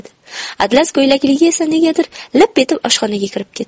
atlas ko'ylakligi esa negadir lip etib oshxonaga kirib ketdi